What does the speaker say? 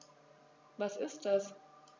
Was ist das?